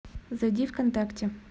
зайти вконтакте